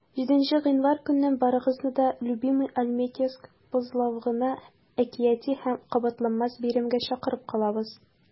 7 гыйнвар көнне барыгызны да "любимыйальметьевск" бозлавыгына әкияти һәм кабатланмас бәйрәмгә чакырып калабыз!